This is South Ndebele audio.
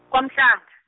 kwaMhla- .